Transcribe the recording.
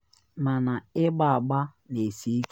Mana ịgba agba na esi ike.